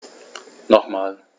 Nochmal.